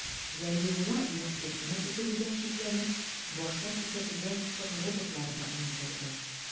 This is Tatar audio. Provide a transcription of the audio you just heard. Вәлиулла Ягъкубны үтерүдә шикләнеп, башта күрсәтелгән фотороботлар да онытылды...